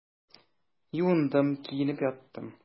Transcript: Юындым, киенеп яттым.